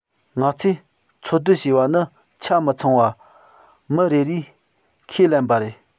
ང ཚོས འཚོལ སྡུད བྱས པ ནི ཆ མི ཚང བ མི རེ རེས ཁས ལེན པ རེད